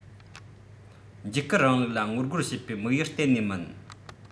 འཇིགས སྐུལ རིང ལུགས ལ ངོ རྒོལ བྱེད པའི དམིགས ཡུལ གཏན ནས མིན